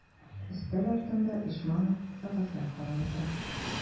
Өстәл артында Ишманов кәгазьләр карап утыра.